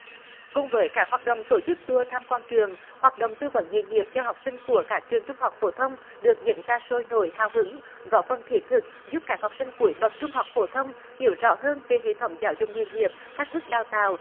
cùng với các hoạt động tổ chức tua tham quan trường hoạt động tư vấn nghề nghiệp cho học sinh của các trường trung học phổ thông được diễn ra sôi nổi hào hứng góp phần thiết thực giúp các học sinh cuối bậc trung học phổ thông hiểu rõ hơn về hệ thống giáo dục nghề nghiệp cách thức đào tạo